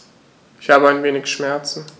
Ich habe ein wenig Schmerzen.